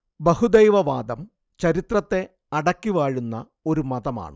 ബഹുദൈവ വാദം ചരിത്രത്തെ അടക്കി വാഴുന്ന ഒരു മതമാണ്